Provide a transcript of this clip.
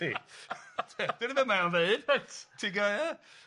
Dyna be mae o'n ddeud, ti'n joio?